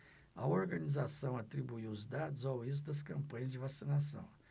a organização atribuiu os dados ao êxito das campanhas de vacinação